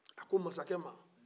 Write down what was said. a ko masakɛ ma